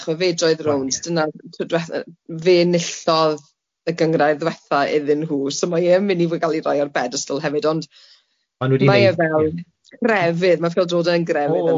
Chi'bod fe droeodd rownd dyna tro dwethe- fe enillodd y gynghrair ddwetha iddyn nhw so mae e yn mynd i ga'l ei roi o'r bed bedestol hefyd ond mae e fel crefydd, ma' pêl-dros yn grefydd yna